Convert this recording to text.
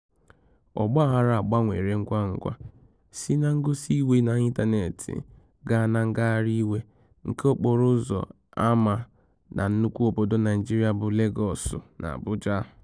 Ọgbaghara a gbanwere ngwa ngwa si na ngosi iwe n'ịntaneetị gaa na ngagharị iwe nke okporo ụzọ ama na nnukwu obodo Naịjirịa bụ Legọọsụ na Abuja.